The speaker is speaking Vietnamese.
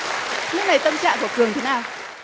lúc này tâm trạng của cường thế nào